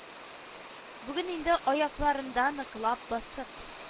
Бүген инде аякларында ныклап басып